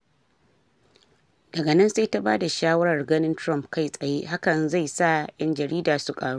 Daga nan sai ta ba da shawarar ganinTrump kai tsaye hakan zai sa ‘yan jarida su karu.